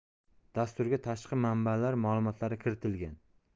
dasturga tashqi manbalar ma'lumotlari kiritilgan